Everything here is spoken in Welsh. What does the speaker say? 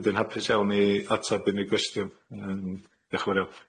Wedyn hapus iawn i ateb unryw gwestiwn yym. Diolch yn fawr iawn.